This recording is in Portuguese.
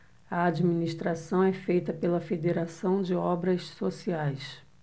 a administração é feita pela fos federação de obras sociais